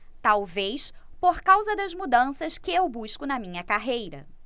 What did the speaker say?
talvez por causa das mudanças que eu busco na minha carreira